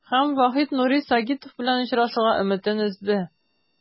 Һәм Вахит Нури Сагитов белән очрашуга өметен өзде.